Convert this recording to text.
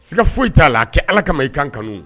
Siga foyi t'a la kɛ ala kama i kan kanu